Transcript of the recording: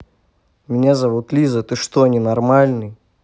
меня зовут лиза ты что ненормальный